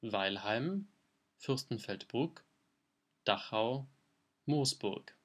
Weilheim Fürstenfeldbruck Dachau Moosburg